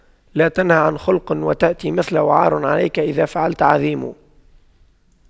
لا تنه عن خلق وتأتي مثله عار عليك إذا فعلت عظيم